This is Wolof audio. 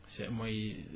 c' est mooy